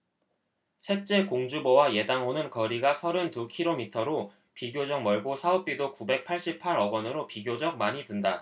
셋째 공주보와 예당호는 거리가 서른 두 키로미터로 비교적 멀고 사업비도 구백 팔십 팔 억원으로 비교적 많이 든다